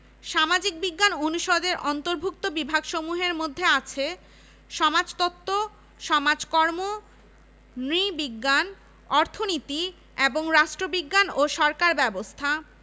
প্রায় ৮ হাজার ৮৭২ জন শিক্ষার্থী ৪১৮ জন অনুষদ সদস্য রয়েছে এছাড়া স্কুল অব মেডিক্যাল সায়েন্সের আওতায় চারটি মেডিক্যাল কলেজ আছে যেখানে শিক্ষার্থীর সংখ্যা